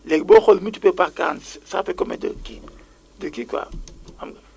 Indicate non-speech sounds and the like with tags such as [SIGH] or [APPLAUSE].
léegi booy xool multiplier ko par quarante ça fait combien de kii de kii quoi [NOISE] xam nga